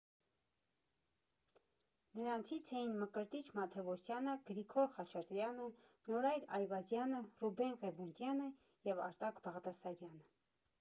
Նրանցից էին Մկրտիչ Մաթևոսյանը, Գրիգոր Խաչատրյանը, Նորայր Այվազյանը, Ռուբեն Ղևոնդյանը և Արտակ Բաղդասարյանը։